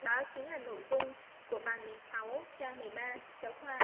đó chính là nội dung của bài trang sách giáo khoa